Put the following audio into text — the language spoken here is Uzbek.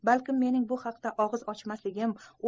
balkim mening bu haqda og'iz ochmasligim